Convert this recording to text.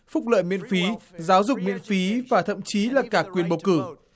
phúc lợi miễn phí giáo dục miễn phí và thậm chí là cả quyền bầu cử